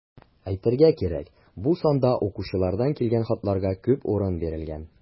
Әйтергә кирәк, бу санда укучылардан килгән хатларга күп урын бирелгән.